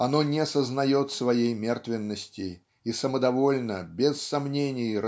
оно не сознает своей мертвенности и самодовольно без сомнений